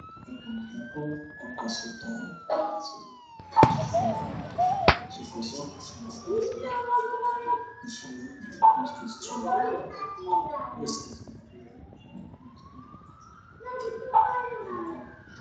Meeshan waxaa yaalla sariir